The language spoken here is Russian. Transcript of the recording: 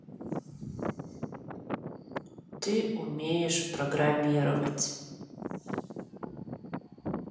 ты умеешь программировать